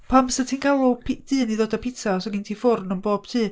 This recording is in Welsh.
Pam 'sa ti'n galw p- dyn i ddod â pitsa os oes gen ti ffwrn yn bob tŷ?